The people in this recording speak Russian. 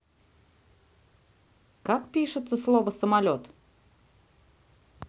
как пишется слово самолет